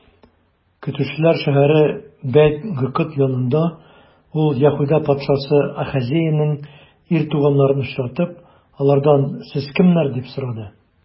Көтүчеләр шәһәре Бәйт-Гыкыд янында ул, Яһүдә патшасы Ахазеянең ир туганнарын очратып, алардан: сез кемнәр? - дип сорады.